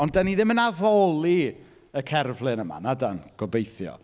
Ond, dan ni ddim yn addoli y cerflun yma, na dan? Gobeithio.